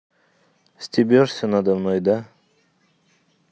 стебешься на домой да